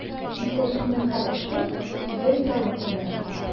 Иптәшеңнең һәр эше, сүзе ризалык тудырыр.